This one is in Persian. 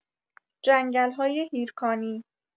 جنگل‌های هیرکانی